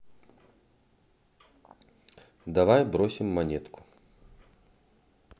давай бросим монетку